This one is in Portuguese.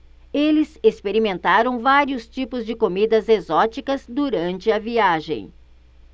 eles experimentaram vários tipos de comidas exóticas durante a viagem